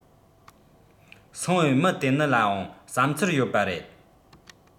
སངས བའི མི དེ ནི ལའང བསམ ཚུལ ཡོད པ རེད